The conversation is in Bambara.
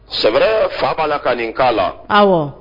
Sɛ fa b'a la ka nin' la aw